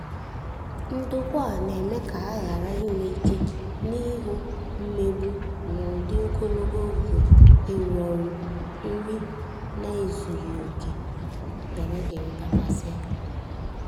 Ndokwa a na-eme ka ha ghara inwe íké n'ihu mmegbu n'ụdị ogologo oge ịrụ ọrụ, nri na-ezughị oke, wdgz.